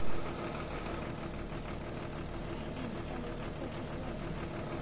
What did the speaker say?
скайрим самый высокий войн